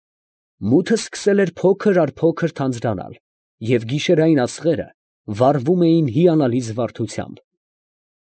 Մութը սկսել էր փոքր առ փոքր թանձրանալ և գիշերային աստղերը վառվում էին հիանալի զվարթությամբ։